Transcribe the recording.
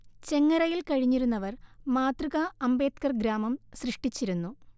ചെങ്ങറ യിൽ കഴിഞ്ഞിരുന്നവർ മാതൃകാ അംബേദ്കർ ഗ്രാമം സൃഷ്ടിച്ചിരുന്നു